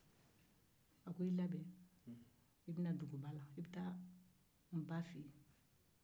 a ko i labɛn i bɛ taa n ba fɛ yen duguba la